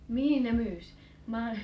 no mihin ne myy --